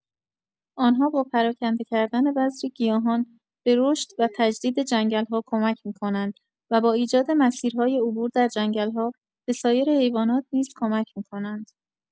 آنها با پراکنده کردن بذر گیاهان به رشد و تجدید جنگل‌ها کمک می‌کنند و با ایجاد مسیرهای عبور در جنگل‌ها، به سایر حیوانات نیز کمک می‌کنند.